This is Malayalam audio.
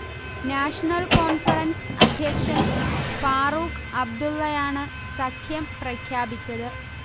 നാഷണൽ കോൺഫറൻസ് അധ്യക്ഷൻ ഫാറൂഖ് അബ്ദുള്ളയാണ് സഖ്യം പ്രഖ്യാപിച്ചത്